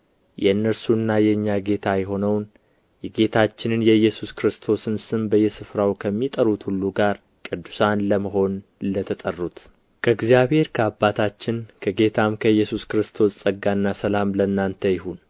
የእነርሱና የእኛ ጌታ የሆነውን የጌታችንን የኢየሱስ ክርስቶስን ስም በየስፍራው ከሚጠሩት ሁሉ ጋር ቅዱሳን ለመሆን ለተጠሩት ከእግዚአብሔር ከአባታችን ከጌታም ከኢየሱስ ክርስቶስ ጸጋና ሰላም ለእናንተ ይሁን